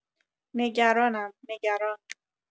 نگرانم… نگران..